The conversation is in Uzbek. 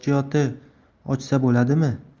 holda omonat schyoti ochsa bo'ladimi